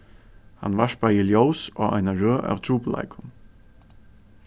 hann varpaði ljós á eina røð av trupulleikum